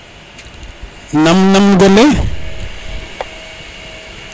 nam nam gole